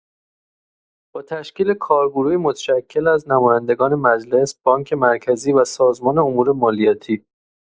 با تشکیل کارگروهی متشکل از نمایندگان مجلس، بانک مرکزی و سازمان امورمالیاتی